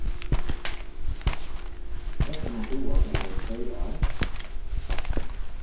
hvat skal mann duga tá mann er tvey ár